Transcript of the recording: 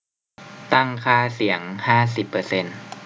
ตั้งค่าเสียงห้าสิบเปอร์เซนต์